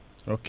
ok